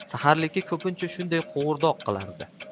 saharlikka ko'pincha shunday qovurdoq qilardi